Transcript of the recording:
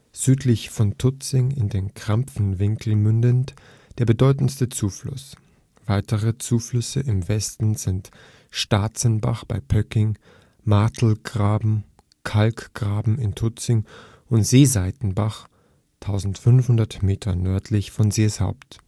südlich von Tutzing, in den Karpfenwinkel mündend) der bedeutendste Zufluss. Weitere Zuflüsse im Westen sind Starzenbach (bei Pöcking), Martelsgraben (Kalkgraben) in Tutzing und Seeseitenbach (1500 Meter nördlich von Seeshaupt